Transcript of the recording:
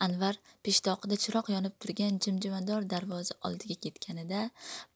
anvar peshtoqida chiroq yonib turgan jim jimador darvoza otdiga yetganida